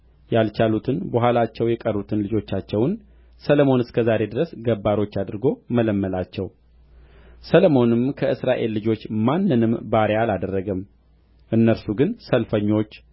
ያልቻሉትን በኋላቸው የቀሩትን ልጆቻቸውን ሰሎሞን እስከ ዛሬ ድረስ ገባሮች አድርጎ መለመላቸው ሰሎሞንም ከእስራኤል ልጆች ማንንም ባሪያ አላደረገም እነርሱ ግን ሰልፈኞች